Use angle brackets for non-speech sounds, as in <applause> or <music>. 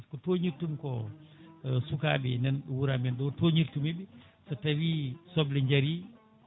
ko toñirtumi ko <hesitation> sukaɓe nan ɗo wuramen ɗo toñirtumiɓe so tawi soble jaari